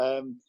yym